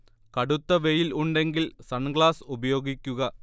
കടുത്ത വെയിൽ ഉണ്ടെങ്കിൽ സൺ ഗ്ലാസ് ഉപയോഗിക്കുക